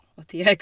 Og tida gikk...